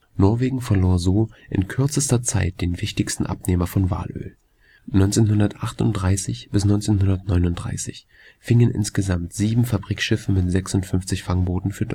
Norwegen verlor so in kurzer Zeit den wichtigsten Abnehmer von Walöl. 1938 bis 1939 fingen insgesamt sieben Fabrikschiffe mit 56 Fangbooten für